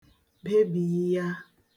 bebìiya